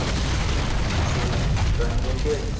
it tumshug'ini tiqqan yerga